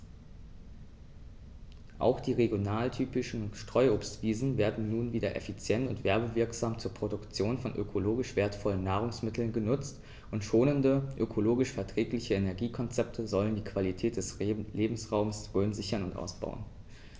Auch die regionaltypischen Streuobstwiesen werden nun wieder effizient und werbewirksam zur Produktion von ökologisch wertvollen Nahrungsmitteln genutzt, und schonende, ökologisch verträgliche Energiekonzepte sollen die Qualität des Lebensraumes Rhön sichern und ausbauen.